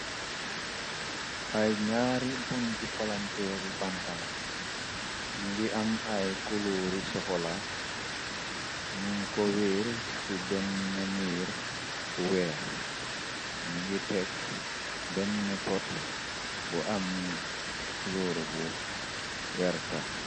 ay ñaari bunti palanteeryi bantala ñu ngi am ay kuluuri soxola ñu ko wér ci benn miir bu weex ñu ngi tekk benn pot bu am kuluur bu werta